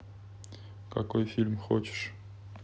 какой фильм хочешь